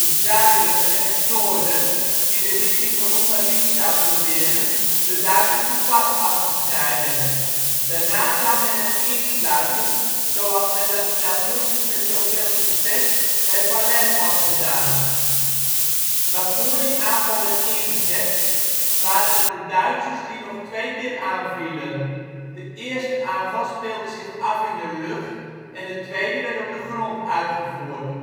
zuiden en het noorden in de richting van Houffalize zou proberen de Duitsers de pas af te snijden. Daarna zou men hen insluiten, zoals men dat in augustus met zoveel succes bij Falaise had gedaan. Maar voor die aanval werd ingezet, waren het de Duitsers die nog twee keer aanvielen. De eerste aanval speelde zich af in de lucht en de tweede werd op de grond uitgevoerd